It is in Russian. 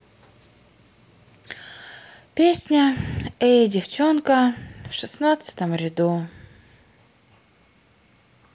песня эй девчонка в шестнадцатом ряду